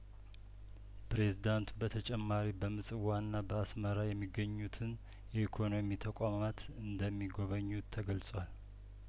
ፕሬዝዳንቱ በተጨማሪ በምጽዋ እና በአስመራ የሚገኙትን የኢኮኖሚ ተቋማት እንደሚጐበኙ ተገልጿል